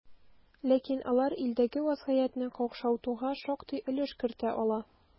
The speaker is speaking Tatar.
Ләкин алар илдәге вазгыятьне какшатуга шактый өлеш кертә ала.